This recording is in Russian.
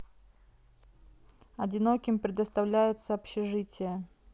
одиноким предоставляется общежитие